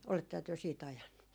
olettehan te siitä ajanut